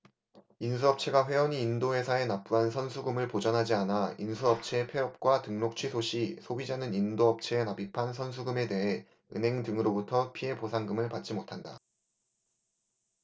인수업체가 회원이 인도회사에 납부한 선수금을 보전하지 않아 인수업체의 폐업과 등록취소 시 소비자는 인도업체에 납입한 선수금에 대해 은행 등으로부터 피해보상금을 받지 못한다